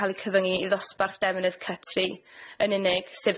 cal eu cyfyngu i ddosbarth defnydd cy tri yn unig, sef tai